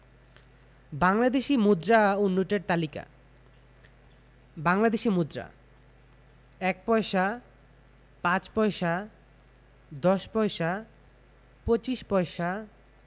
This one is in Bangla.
বাংলাদেশি মুদ্রা ও নোটের তালিকাঃ বাংলাদেশি মুদ্রাঃ ১ পয়সা ৫ পয়সা ১০ পয়সা ২৫ পয়সা